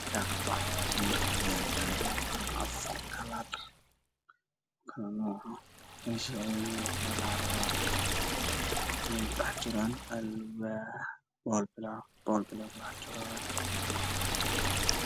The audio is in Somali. Gaashaan waxaa yaalo afar saaka oo kala nooca mid wacaniifndo mid waa cadaar mid u cagaar biyaha kurkoodana wacdaan